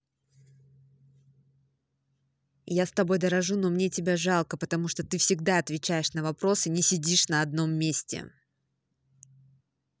я с тобой дорожу но мне тебя жалко потому что ты всегда отвечаешь на вопросы не сидишь на одном месте